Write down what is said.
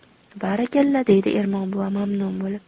barakalla deydi ermon buva mamnun bo'lib